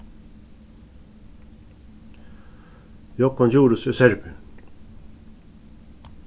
jógvan djurhuus er serbi